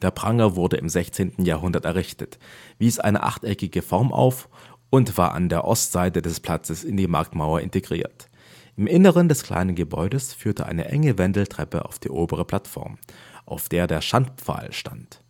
Pranger wurde im 16. Jahrhundert errichtet, wies eine achteckige Form auf und war an der Ostseite des Platzes in die Marktmauer integriert. Im Inneren des kleinen Gebäudes führte eine enge Wendeltreppe auf die obere Plattform, auf der der Schandpfahl stand